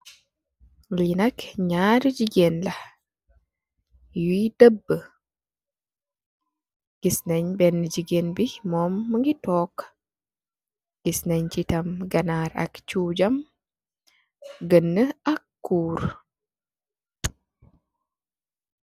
Lii nak, ñaari jigéen la, yuy dëbbu. Gis nay béénë jigéen mu ngi toog. Gis nay ci tam ganaar, ak ay cuujam, gëënë ak kuur.